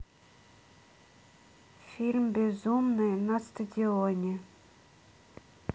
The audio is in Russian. фильм безумные на стадионе